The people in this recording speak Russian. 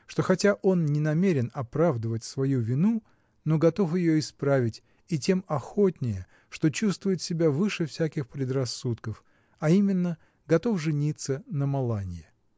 что хотя он не намерен оправдывать свою вину, но готов ее исправить, и тем охотнее, что чувствует себя выше всяких предрассудков, а именно -- готов жениться на Маланье.